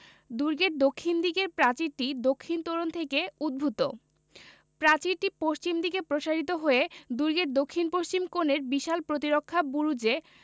দুর্গের দক্ষিণ দিকের প্রাচীরটি দক্ষিণ তোরণ থেকে উদ্ভূত প্রাচীরটি পশ্চিম দিকে প্রসারিত হয়ে দুর্গের দক্ষিণ পশ্চিম কোণের বিশাল প্রতিরক্ষা বুরুজে